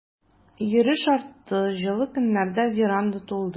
Йөреш артты, җылы көннәрдә веранда тулы.